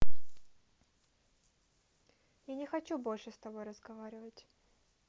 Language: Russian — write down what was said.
я не хочу больше с тобой разговаривать